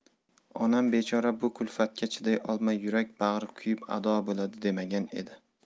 onam bechora bu kulfatga chiday olmay yurak bag'ri kuyib ado bo'ladi demagan edi